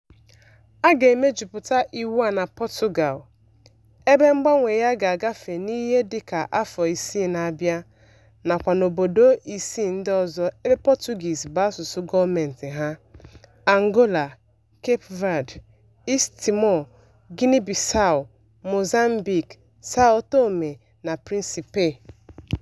A ga-emejupụta iwu a na Portugal, ebe mgbanwe ya ga-agafe n'ihe dike afọ isii na-abịa, nakwa n'obodo isii ndị ọzọ ebe Portuguese bu asụsụ gọọmentị ha: Angola, Cape Verde, East Timor, Guinea-Bissau, Mozambique, São Tomé na Príncipe.